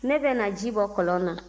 ne bɛ na ji bɔ kɔlɔn na